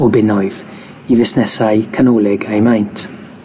o bunnoedd i fusnesau canolig eu maint.